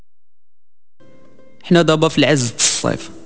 ندبه في عز الصيف